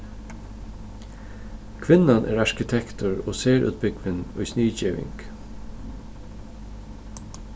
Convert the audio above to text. kvinnan er arkitektur og serútbúgvin í sniðgeving